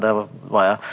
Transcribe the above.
det var jeg.